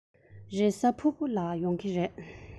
རེས གཟའ ཕུར བུ ལ ཡོང གི རེད